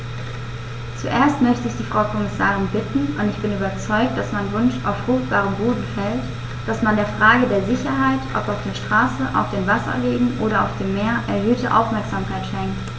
Zuerst möchte ich die Frau Kommissarin bitten - und ich bin überzeugt, dass mein Wunsch auf fruchtbaren Boden fällt -, dass man der Frage der Sicherheit, ob auf der Straße, auf den Wasserwegen oder auf dem Meer, erhöhte Aufmerksamkeit schenkt.